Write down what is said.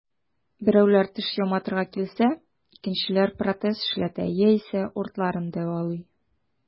Берәүләр теш яматырга килсә, икенчеләр протез эшләтә яисә уртларын дәвалый.